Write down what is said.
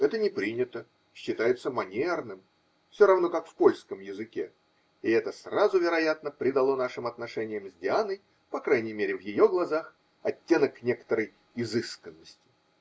Это не принято, считается манерным, все равно как в польском языке, и это сразу, вероятно, придало нашим отношениям с Дианой, по крайней мере в ее глазах, оттенок некоторой изысканности.